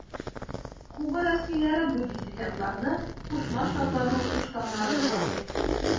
Куба рәсмиләре бу диссидентларны Кушма Штатларның куштаннары дип атый.